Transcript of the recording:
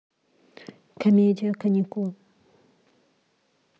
комедия каникулы